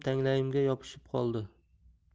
tanglayimga yopishib qoldi